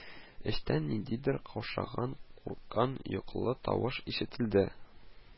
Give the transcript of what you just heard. Эчтән ниндидер, каушаган, курыккан йокылы тавыш ишетелде: